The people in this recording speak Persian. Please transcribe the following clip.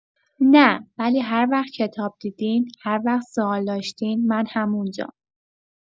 نه… ولی هر وقت کتاب دیدین، هر وقت سوال داشتین، من همون‌جام.